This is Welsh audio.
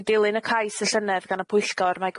yn dilyn y cais y llynedd gan y pwyllgor mae